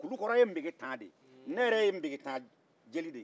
kulukɔrɔ ye megetan de ye ne yɛrɛ ye megetan jeli de ye